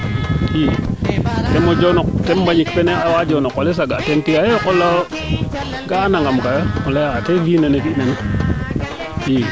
i temo joon tem Mbagnick Sene a joona qoles a ga teen tiya nam e o qol la wo ka nangam kaa